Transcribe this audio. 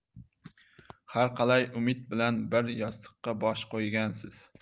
har qalay umid bilan bir yostiqqa bosh qo'ygansiz